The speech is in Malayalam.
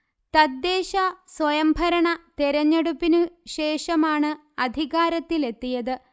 തദ്ദേശ സ്വയംഭരണ തെരഞ്ഞെടുപ്പിനു ശേഷമാണ് അധികാരത്തിലെത്തിയത്